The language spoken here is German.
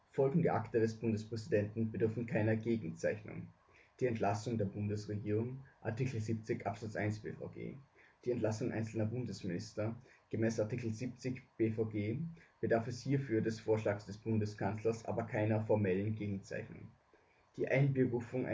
Folgende Akte des Bundespräsidenten bedürfen keiner Gegenzeichnung: die Entlassung der Bundesregierung (Art. 70 Abs 1 B-VG) die Entlassung einzelner Bundesminister (Gem. Art. 70 B-VG bedarf es hierfür des Vorschlags des Bundeskanzlers aber keine formelle Gegenzeichnung) die Einberufung